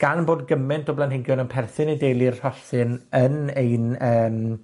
gan bod gyment o blanhigion yn perthyn i deulu'r rhosyn yn ein yym,